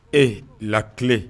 Ee lati